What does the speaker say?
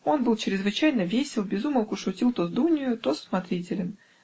Он был чрезвычайно весел, без умолку шутил то с Дунею, то с смотрителем